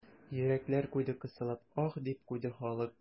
Йөрәкләр куйды кысылып, аһ, дип куйды халык.